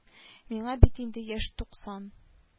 Миңа бит инде яшь тук сан